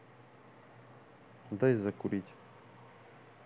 дай закурить